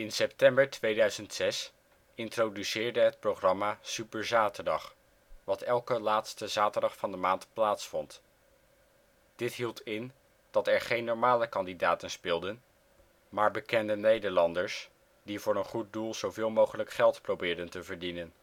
september 2006 introduceerde het programma " Superzaterdag ", wat elke laatste zaterdag van de maand plaatsvond. Dit hield in dat er geen normale kandidaten speelden, maar BN'ers die voor een goed doel zoveel mogelijk geld probeerde te verdienen